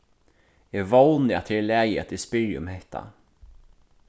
eg vóni at tað er í lagi at eg spyrji um hetta